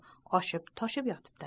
oshib toshib yotibdi